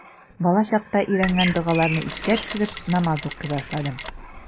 Балачакта өйрәнгән догаларны искә төшереп, намаз укый башладым.